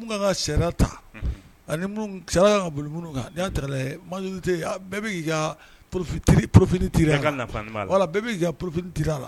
Ka ta ani ka minnu kan bɛɛoro poroffinini ka wala bɛɛ' porofinini la